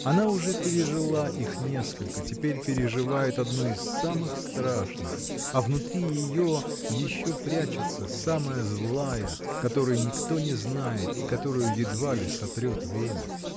Она уже пережила их несколько, теперь переживает одну из самых страшных, а внутри ее еще прячется самая злая, которой никто не знает и которую едва ли сотрет время.